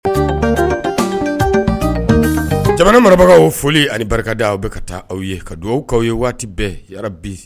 Jamana marabagaw foli ani barika da o be ka taa aw ye ka duwawu k'aw ye waati bɛɛ yarabi